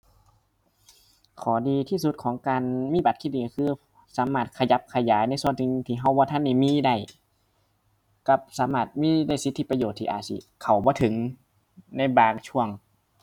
ข้อดีที่สุดของการมีบัตรเครดิตก็คือสามารถขยับขยายในส่วนที่ ที่ก็บ่ทันได้มีได้ กับสามารถมีในสิทธิประโยชน์ที่อาจสิเข้าบ่ถึงในบางช่วง